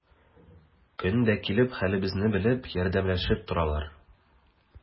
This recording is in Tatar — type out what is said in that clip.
Көн дә килеп, хәлебезне белеп, ярдәмләшеп торалар.